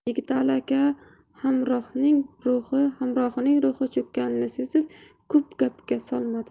yigitali aka hamrohining ruhi cho'kkanini sezib ko'p gapga solmadi